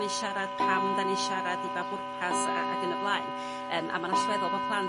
ni'n siarad pam 'da ni'n siarad? I ba bwrpas? Ag yn y blaen yym a ma'n allweddol bo' plant